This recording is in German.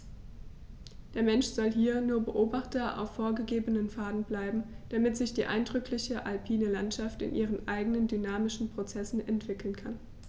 Der Mensch soll hier nur Beobachter auf vorgegebenen Pfaden bleiben, damit sich die eindrückliche alpine Landschaft in ihren eigenen dynamischen Prozessen entwickeln kann.